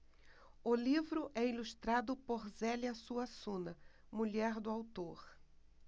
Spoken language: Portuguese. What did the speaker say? o livro é ilustrado por zélia suassuna mulher do autor